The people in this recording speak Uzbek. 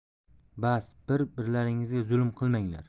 bas bir birlaringizga zulm qilmanglar